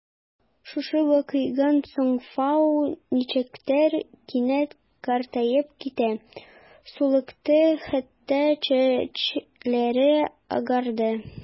Шушы вакыйгадан соң Фау ничектер кинәт картаеп китте: сулыкты, хәтта чәчләре агарды.